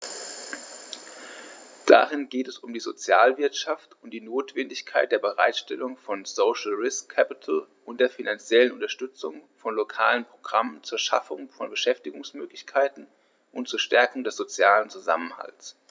Darin geht es um die Sozialwirtschaft und die Notwendigkeit der Bereitstellung von "social risk capital" und der finanziellen Unterstützung von lokalen Programmen zur Schaffung von Beschäftigungsmöglichkeiten und zur Stärkung des sozialen Zusammenhalts.